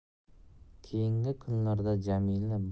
keyingi kunlarda jamila